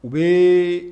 U bɛ